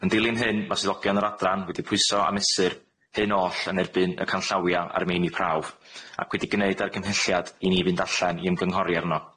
Yn dilyn hyn ma' swyddogion yr adran wedi pwyso a mesur hyn oll yn erbyn y canllawia' a'r meini prawf, ac wedi gneud argymhelliad i ni fynd allan i ymgynghori arno.